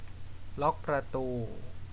ล็อคประตู